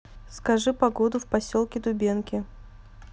скажи погоду в поселке дубенки